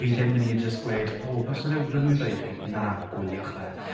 Fi ddim mynd i jyst gweud, "O, byswn i'n awgrymu fe i chi." Na, gwyliwch fe.